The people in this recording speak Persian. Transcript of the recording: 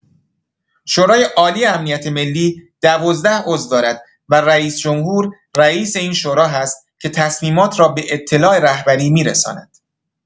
شورای‌عالی امنیت ملی ۱۲ عضو دارد و رئیس‌جمهور، رئیس این شورا هست که تصمیمات را به اطلاع رهبری می‌رساند.